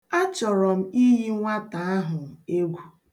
A chọrọ m iyi nwata ahụ egwu.